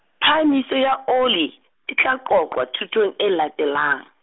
phahamiso ya oli, e tla qoqwa thutong e latelang.